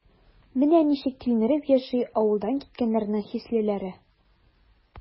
Менә ничек тилмереп яши авылдан киткәннәрнең хислеләре?